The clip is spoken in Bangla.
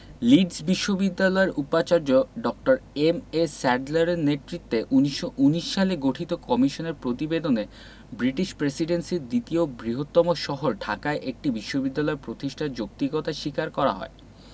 লিড্স বিশ্ববিদ্যালয়ের উপাচার্য ড. এম.এ স্যাডলারের নেতৃত্বে ১৯১৯ সালে গঠিত কমিশনের প্রতিবেদনে ব্রিটিশ প্রেসিডেন্সির দ্বিতীয় বৃহত্তম শহর ঢাকায় একটি বিশ্ববিদ্যালয় প্রতিষ্ঠার যৌক্তিকতা স্বীকার করা হয়